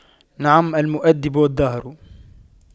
نعم المؤَدِّبُ الدهر